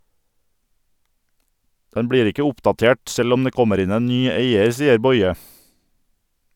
Den blir ikke oppdatert, selv om det kommer inn en ny eier, sier Boye.